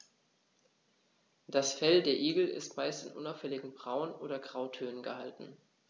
Das Fell der Igel ist meist in unauffälligen Braun- oder Grautönen gehalten.